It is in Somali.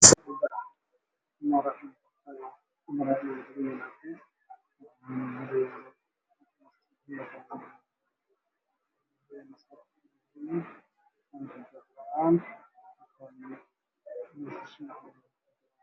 Meshan waxaa taagan labo gabdhood